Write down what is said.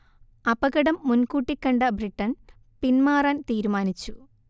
അപകടം മുൻകൂട്ടി കണ്ട ബ്രിട്ടൻ പിന്മാറാൻ തീരുമാനിച്ചു